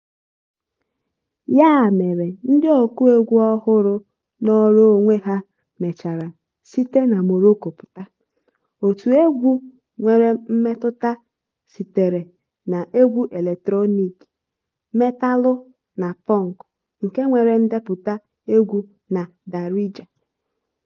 Ya mere, ndị ọkụegwú ọhụrụ nọọrọ onwe ha mechara site na Morocco pụta, òtùegwu nwere mmetụta sitere n'egwu eletrọniik, metaalụ, na punk, nke nwere ndepụta egwu na Darija.